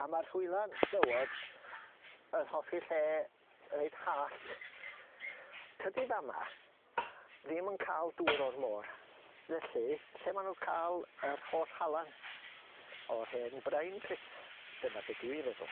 A ma'r chwylan dywod yn hoffi lle reit hallt tydi fa' ma' ddim yn ca'l dŵr o'r môr felly lle ma' n'w'n ca'l yr holl halan o'r hen brain pit dyna be' dwi feddwl.